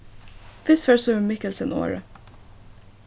fyrst fær símun mikkelsen orðið